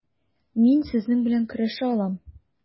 Мин сезнең белән көрәшә алам.